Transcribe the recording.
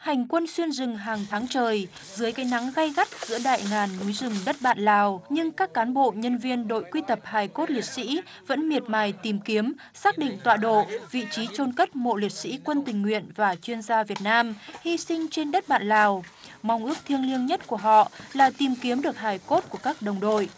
hành quân xuyên rừng hàng tháng trời dưới cái nắng gay gắt giữa đại ngàn núi rừng đất bạn lào nhưng các cán bộ nhân viên đội quy tập hài cốt liệt sỹ vẫn miệt mài tìm kiếm xác định tọa độ vị trí chôn cất mộ liệt sỹ quân tình nguyện và chuyên gia việt nam hy sinh trên đất bạn lào mong ước thiêng liêng nhất của họ là tìm kiếm được hài cốt của các đồng đội